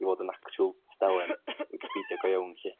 i fod yn actual tudalen Wicipidia go iown 'llu